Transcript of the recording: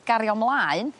gario mlaen